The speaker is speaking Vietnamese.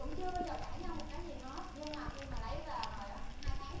cũng chưa bao giờ cãi nhau một cái gì hết nhưng mà khi mà lấy về rồi á hai tháng